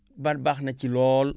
baax baax na ci lool